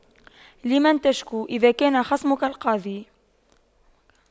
لمن تشكو إذا كان خصمك القاضي